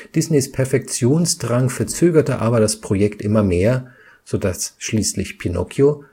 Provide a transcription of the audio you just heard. Disneys Perfektionsdrang verzögerte aber das Projekt immer mehr, so dass schließlich Pinocchio